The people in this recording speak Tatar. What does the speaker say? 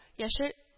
Яшел